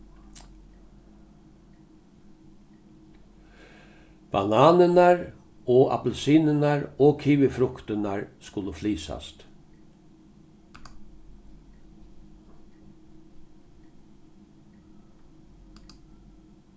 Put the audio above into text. bananirnar og appilsinirnar og kivifruktirnar skulu flysast